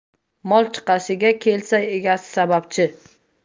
mol chiqasiga kelsa egasi sababchi